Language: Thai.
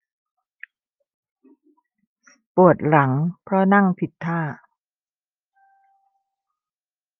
ปวดหลังเพราะนั่งผิดท่า